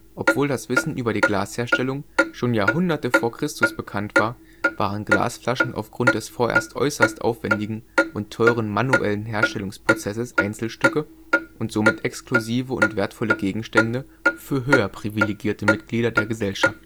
Obwohl das Wissen über die Glasherstellung schon Jahrhunderte vor Christus bekannt war, waren Glasflaschen aufgrund des vorerst äußerst aufwendigen und teuren manuellen Herstellungsprozesses Einzelstücke und somit exklusive und wertvolle Gegenstände für höher privilegierte Mitglieder der Gesellschaft